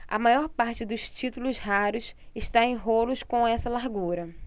a maior parte dos títulos raros está em rolos com essa largura